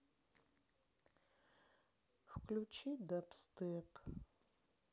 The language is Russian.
включи дабстеп